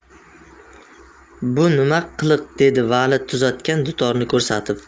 bu nima qiliq dedi vali tuzatgan dutorni ko'rsatib